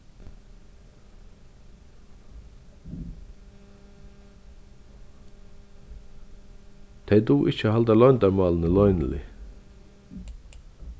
tey duga ikki at halda loyndarmálini loynilig